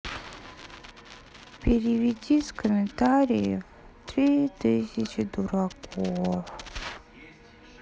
переведи с комментарием три тысячи дураков